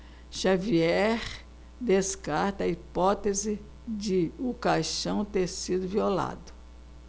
xavier descarta a hipótese de o caixão ter sido violado